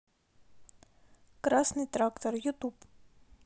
красный трактор ютуб